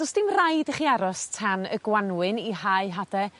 Do's dim raid i chi aros tan y Gwanwyn i hau hade